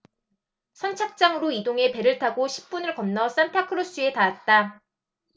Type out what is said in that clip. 선착장으로 이동해 배를 타고 십 분을 건너 산타크루스에 닿았다